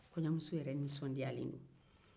kɔɲɔmuso yɛrɛ nisɔndiyalen don